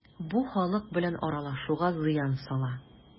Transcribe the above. Бу халык белән аралашуга зыян сала.